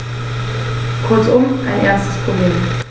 Kurzum, ein ernstes Problem.